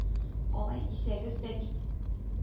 — алай дисәгез дә бит